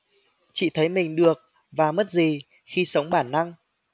chị thấy mình được và mất gì khi sống bản năng